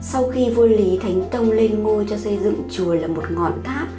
sau khi vua lý thánh tông lên ngôi cho xây dựng chùa là một ngọn tháp